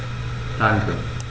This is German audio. Danke.